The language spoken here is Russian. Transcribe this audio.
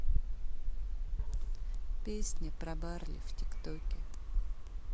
песня про барли в тик токе